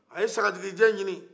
a ye saga jigijɛ ɲini